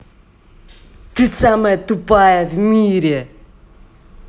ты самая тупая в мире